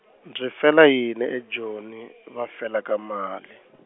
ndzi fela yini eJoni, va felaka mali?